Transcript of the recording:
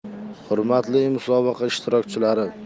hurmatli musobaqa ishtirokchilari